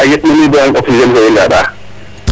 a yet cooɗ a in oxygene fene i nqaaɗaa.